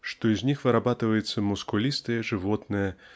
что из них вырабатывается мускулистое животное